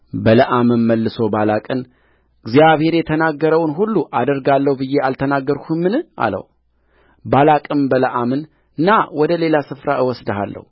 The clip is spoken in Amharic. በለዓምም መልሶ ባላቅን እግዚአብሔር የተናገረውን ሁሉ አደርጋለሁ ብዬ አልተናገርሁህምን አለውባላቅም በለዓምን ና ወደ ሌላ ስፍራ እወስድሃለሁ